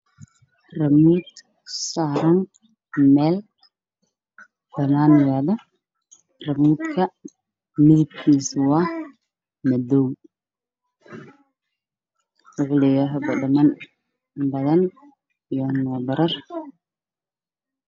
Meeshaan waxaa yaalla hormud madowga waxa uu leeyahay badhamo fara badan